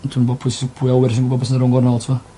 On' t'mbo' pwy sy' pwy a wyr t'm 'bo' be' sy' rownd gornal t'mo'?